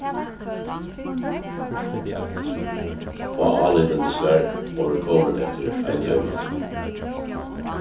fá álítandi svar vóru komin eftir einum tíma